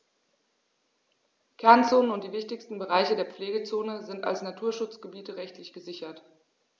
Kernzonen und die wichtigsten Bereiche der Pflegezone sind als Naturschutzgebiete rechtlich gesichert.